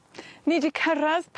Ni 'di cyrraedd